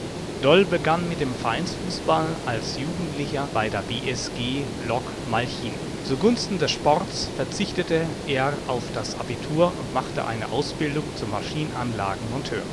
Doll begann mit dem Vereinsfußball als Jugendlicher bei der BSG Lok Malchin. Zugunsten des Sports verzichtete er auf das Abitur und machte eine Ausbildung zum Maschinenanlagen-Monteur